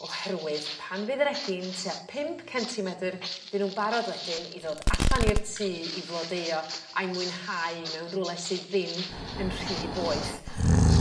oherwydd pan fydd yr egin tua pump centimedr fy nw'n barod wedyn i ddod allan i'r tŷ i flodeuo a'i mwynhau mewn rwle sy ddim yn rhy boeth.